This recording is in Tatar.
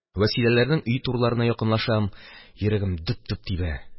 Вәсиләләрнең өй турыларына якынлашам, йөрәгем дөп-дөп тибә.